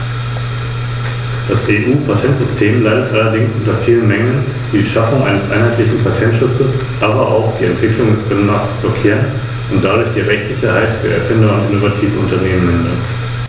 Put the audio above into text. Herr Präsident, ich möchte Frau Schroedter ganz herzlich für die von ihr zu diesem Thema geleistete Arbeit danken. Gleichzeitig möchte ich erklären, dass ich im Namen meiner Kollegin Frau Flautre spreche, die die Stellungnahme im Auftrag des Ausschusses für Beschäftigung und soziale Angelegenheiten erarbeitet hat und leider erkrankt ist.